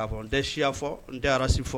A fɔ n tɛ siya fɔ n tɛ race fɔ